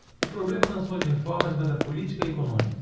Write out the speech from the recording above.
o problema não são as reformas mas a política econômica